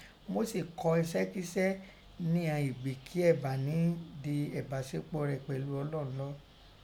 Mọ́se kọ isẹ́kísẹ́ níghọ̀n ìgbì kí é bá nín dí ẹ̀báṣepọ̀ rẹ̀ pẹ̀lú Ọlọ́un lọ́ọ́.